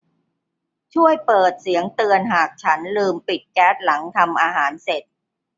ช่วยเปิดเสียงเตือนหากฉันลืมปิดแก๊สหลังทำอาหารเสร็จ